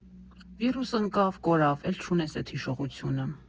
Վիրուս ընկավ, կորավ՝ էլ չունես էդ հիշողությունը։